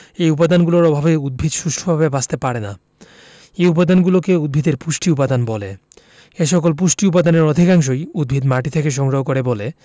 এ উপাদানগুলোর অভাবে উদ্ভিদ সুষ্ঠুভাবে বাঁচতে পারে না এ উপাদানগুলোকে উদ্ভিদের পুষ্টি উপাদান বলে এসকল পুষ্টি উপাদানের অধিকাংশই উদ্ভিদ মাটি থেকে সংগ্রহ করে বলে